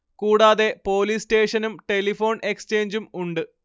കൂടാതെ പൊലിസ് സ്റ്റേഷനും ടെലിഫോൺ എക്സ്ചേഞ്ചും ഉണ്ട്